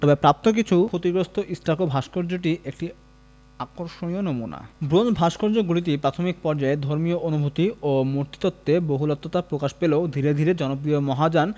তবে প্রাপ্ত কিন্তু ক্ষতিগ্রস্ত স্টাকো ভাস্কর্যটি একটি আকর্ষণীয় নমুনা ব্রোঞ্জ ভাস্কর্যগুলিতে প্রাথমিক পর্যায়ে ধর্মীয় অনুভূতি ও মূর্তিতত্ত্বে বিহ্বলতা প্রকাশ পেলেও ধীরে ধীরে জনপ্রিয় মহাযান